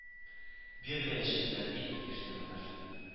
Бирмәячәкләр, дип килеште Наташа